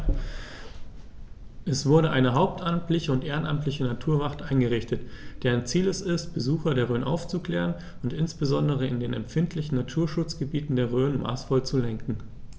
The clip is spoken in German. Es wurde eine hauptamtliche und ehrenamtliche Naturwacht eingerichtet, deren Ziel es ist, Besucher der Rhön aufzuklären und insbesondere in den empfindlichen Naturschutzgebieten der Rhön maßvoll zu lenken.